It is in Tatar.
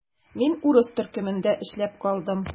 Мин рус төркемендә эшләп калдым.